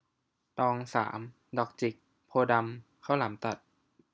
ตองสามดอกจิกโพธิ์ดำข้าวหลามตัด